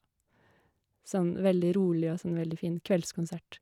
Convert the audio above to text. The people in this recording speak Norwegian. Sånn veldig rolig og sånn veldig fin kveldskonsert.